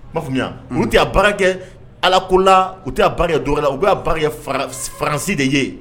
U b'a faamuya mun tɛ baara kɛ ala kola u tɛ baara dɔgɔ la u fararansi de ye